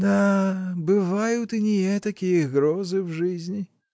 — Да, бывают и не этакие грозы в жизни!.